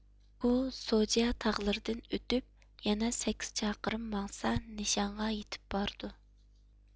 ئۇ سوجيا تاغلىرىدىن ئۆتۈپ يەنە سەككىز چاقىرىم ماڭسا نىشانغا يېتىپ بارىدۇ